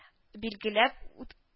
Билгеләп үт